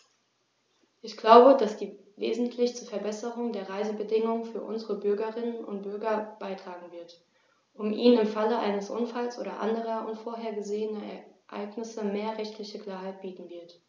Ich glaube, dass sie wesentlich zur Verbesserung der Reisebedingungen für unsere Bürgerinnen und Bürger beitragen wird, und ihnen im Falle eines Unfalls oder anderer unvorhergesehener Ereignisse mehr rechtliche Klarheit bieten wird.